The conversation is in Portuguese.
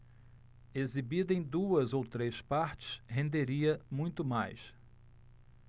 exibida em duas ou três partes renderia muito mais